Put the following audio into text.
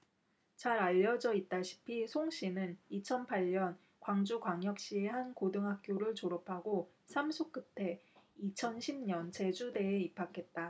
잘 알려져 있다시피 송씨는 이천 팔 년 광주광역시의 한 고등학교를 졸업하고 삼 수 끝에 이천 십 년 제주대에 입학했다